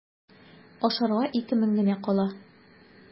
Ашарга ике мең генә кала.